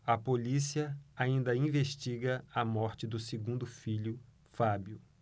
a polícia ainda investiga a morte do segundo filho fábio